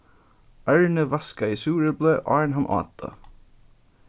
arni vaskaði súreplið áðrenn hann át tað